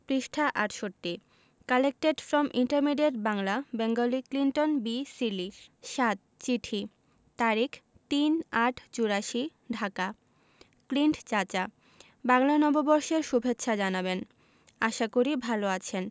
পৃষ্ঠাঃ ৬৮ collected from intermediate Bangla Bengali Clinton B সিলি ০৭ চিঠি তারিখ ৩ ৮ ৮৪ ঢাকা ক্লিন্ট চাচা বাংলা নববর্ষের সুভেচ্ছা জানাবেন আশা করি ভালো আছেন